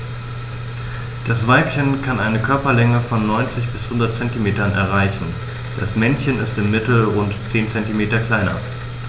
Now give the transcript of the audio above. Das Weibchen kann eine Körperlänge von 90-100 cm erreichen; das Männchen ist im Mittel rund 10 cm kleiner.